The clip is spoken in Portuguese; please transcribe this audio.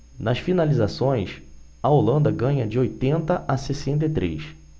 nas finalizações a holanda ganha de oitenta a sessenta e três